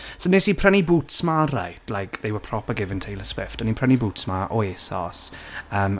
So wnes i prynu boots 'ma right, like they were proper given Taylor Swift o'n i'n prynu boots 'ma o Asos.